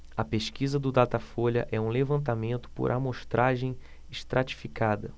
a pesquisa do datafolha é um levantamento por amostragem estratificada